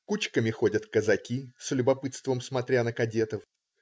кучками ходят казаки, с любопытством смотря на кадетов.